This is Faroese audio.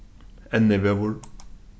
ennivegur